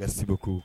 Ga se ko